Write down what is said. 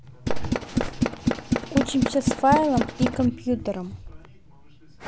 учимся с файлом и компьютером